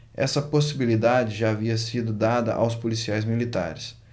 essa possibilidade já havia sido dada aos policiais militares